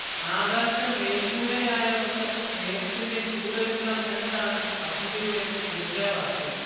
ആകാശം മേൽക്കൂരയായവർക്ക് സ്നേഹത്തിന്റെ കൂടൊരുക്കാം എന്നതാണ് പദ്ധതിയുടെ മുദ്രാവാക്യം